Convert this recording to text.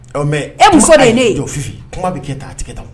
Mɛ e muso da yee ye jɔfifin kuma bɛ kɛ taa a tigi